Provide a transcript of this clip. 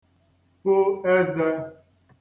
-fo ezē